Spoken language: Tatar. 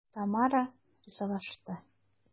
Тамара ризалашты.